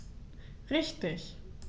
Richtig